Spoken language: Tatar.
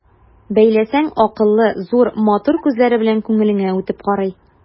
Бәйләсәң, акыллы, зур, матур күзләре белән күңелеңә үтеп карый.